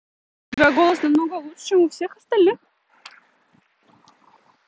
у тебя голос намного лучше чем у всех остальных